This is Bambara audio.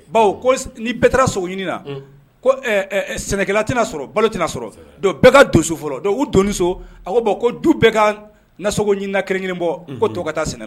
Baw ni bɛɛ taara sogo ɲinin na sɛnɛkɛlala tɛna sɔrɔ balo tɛna sɔrɔ bɛɛ ka donso fɔlɔ u donso a ko bɔn ko du bɛɛ ka nasogo ɲinin kelen kelen bɔ ko to ka taa sɛnɛ